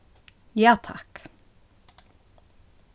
ja takk